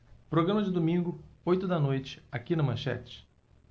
programa de domingo oito da noite aqui na manchete